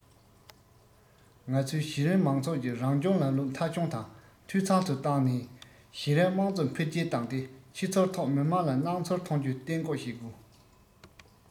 ང ཚོས གཞི རིམ མང ཚོགས ཀྱི རང སྐྱོང ལམ ལུགས མཐའ འཁྱོངས དང འཐུས ཚང དུ བཏང ནས གཞི རིམ དམངས གཙོ འཕེལ རྒྱས བཏང སྟེ ཕྱི ཚུལ ཐོག མི དམངས ལ སྣང ཚུལ ཐོན རྒྱུ གཏན འགོག བྱེད དགོས